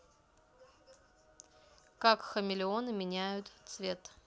как хамелеоны меняют цвет